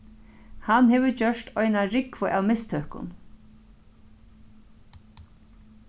hann hevur gjørt eina rúgvu av mistøkum